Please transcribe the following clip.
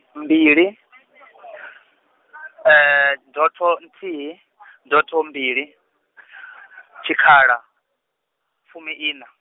mbili, doto nthihi, doto mbili, tshikhala, fumi ina.